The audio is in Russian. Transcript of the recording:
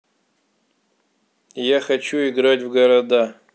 я хочу играть в города